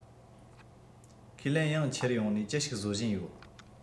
ཁས ལེན ཡང འཁྱེར ཡོང ནས ཅི ཞིག བཟོ བཞིན ཡོད